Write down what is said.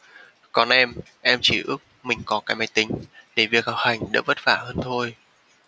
còn em em chỉ ước mình có cái máy tính để việc học hành đỡ vất vả hơn thôi